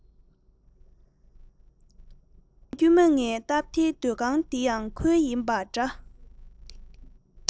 དགེ རྒན དཀྱུས མ ངའི སྟབས བདེའི སྡོད ཁང འདི ཡང ཁོའི ཡིན པ འདྲ